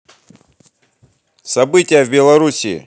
события в белоруссии